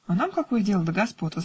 -- А нам какое дело до господ!